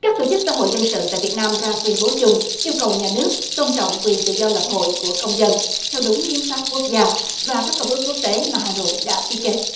các tổ chức xã hội dân sự tại việt nam ra tuyên bố chung yêu cầu nhà nước tôn trọng quyền tự do lập hội của công dân theo đúng hiến pháp quốc gia và các công ước quốc tế mà hà nội đã ký kết